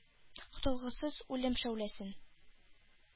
Котылгысыз үлем шәүләсен.